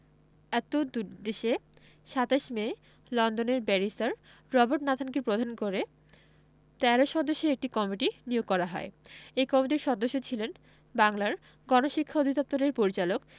এতদুদ্দেশ্যে ২৭ মে লন্ডনের barrister Robert নাথানকে প্রধান করে ১৩ সদস্যের একটি কমিটি নিয়োগ করা হয় এ কমিটির সদস্য ছিলেন বাংলার গণশিক্ষা অধিদপ্তরের পরিচালক